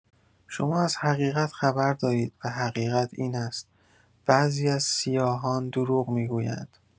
شما از حقیقت خبر دارید و حقیقت این است: بعضی از سیاهان دروغ می‌گویند.